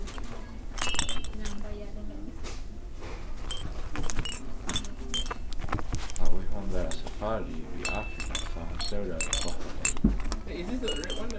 tá ið hon var á safari í afrika sá hon stórar og flottar leyvur